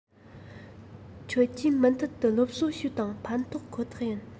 ཁྱོད ཀྱིས མུ མཐུད དུ སློབ གསོ བྱོས དང ཕན ཐོགས ཁོ ཐག ཡིན